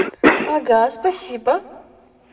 ага спасибо